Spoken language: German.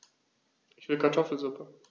Ich will Kartoffelsuppe.